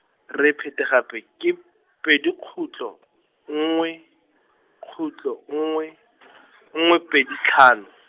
re peta ga pe- ke , pedi khutlo , nngwe, khutlo nngwe , nngwe pedi tlhano.